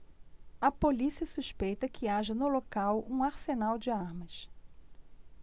a polícia suspeita que haja no local um arsenal de armas